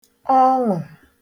ọṅụ̀